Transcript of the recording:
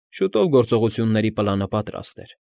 Շուտով գործողությունների պլանը պատրաստ էր։